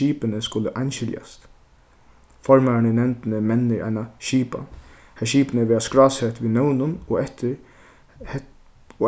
skipini skulu einskiljast formaðurin í nevndini mennir eina skipan har skipini verða skrásett við nøvnum og eftir